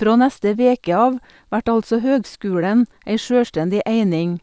Frå neste veke av vert altså høgskulen ei sjølvstendig eining,